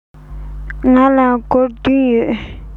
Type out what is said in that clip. ང ལ སྒོར བདུན ཡོད